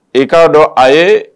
I k'a dɔn a ye